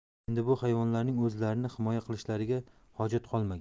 endi bu hayvonlarning o'zlarini himoya qilishlariga hojat qolmagan